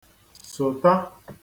sota